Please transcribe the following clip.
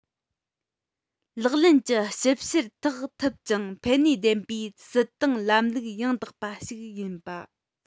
ལག ལེན གྱི ཞིབ བཤེར ཐེག ཐུབ ཅིང ཕན ནུས ལྡན པའི སྲིད ཏང ལམ ལུགས ཡང དག པ ཞིག ཡིན པ